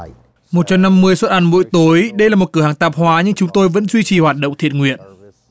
một trăm năm mươi suất ăn mỗi tối đây là một cửa hàng tạp hóa nhưng chúng tôi vẫn duy trì hoạt động thiện nguyện